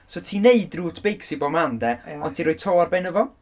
So ti'n wneud route beics i bob man 'de? Ond ti'n rhoi tô ar ben o fo.